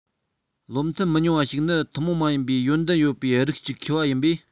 བློ མཐུན མི ཉུང བ ཞིག ནི ཐུན མོང མ ཡིན པའི ཡོན ཏན ཡོད པའི རིགས གཅིག མཁས པ ཡིན པས